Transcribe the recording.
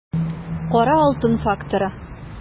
Кара алтын факторы